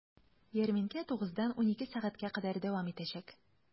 Ярминкә 9 дан 12 сәгатькә кадәр дәвам итәчәк.